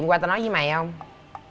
qua tao nói với mày không